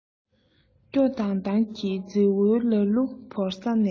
སྐྱོ ལྡང ལྡང གི རྫི བོའི ལ གླུ བོར ས ནས